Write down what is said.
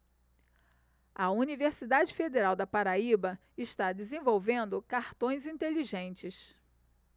a universidade federal da paraíba está desenvolvendo cartões inteligentes